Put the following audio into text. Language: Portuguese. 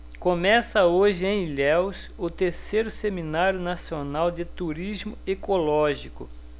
começa hoje em ilhéus o terceiro seminário nacional de turismo ecológico